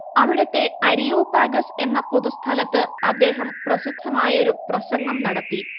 അവിടത്തെ അരിയോപാഗസ് എന്ന പൊതുസ്ഥലത്ത് അദ്ദേഹം പ്രസിദ്ധമായൊരു പ്രസംഗം നടത്തി